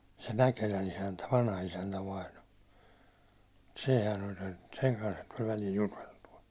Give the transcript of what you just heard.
se Mäkelän isäntä vanhaisäntä vainaja sehän oli sen sen kanssahan tuli välillä juteltua